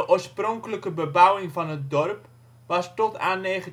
oorspronkelijke bebouwing van het dorp was tot aan 1945